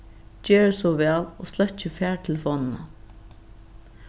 gerið so væl og sløkkið fartelefonina